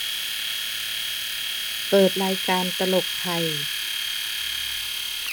เปิดรายการตลกไทย